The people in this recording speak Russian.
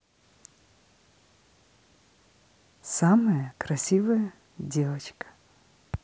самая красивая девочка